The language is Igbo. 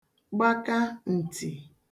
gbaka ǹtì